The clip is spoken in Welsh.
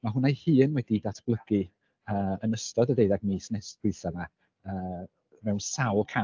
ma' hwnna ei hun wedi'i datblygu yy yn ystod y deuddeg mis nes- dwytha 'ma yy mewn sawl cam.